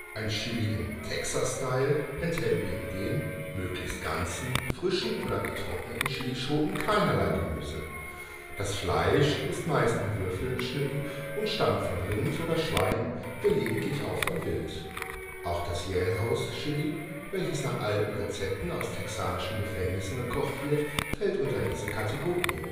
Ein Chili im Texas Style enthält neben den (möglichst ganzen, frischen oder getrockneten) Chilischoten keinerlei Gemüse. Das Fleisch ist meist in Würfel geschnitten und stammt von Rind oder Schwein, gelegentlich auch von Wild. Auch das Jailhouse Chili, welches nach alten Rezepten aus texanischen Gefängnissen gekocht wird, fällt unter diese Kategorie